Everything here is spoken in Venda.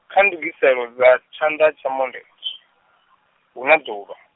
kha ndugiselo dza tshanḓa tsha monde , hu na ḓuvha.